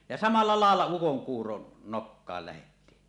ja samalla lailla ukonkuuron nokkaan lähdettiin